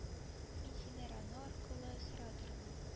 Мин сине роно аркылы соратырмын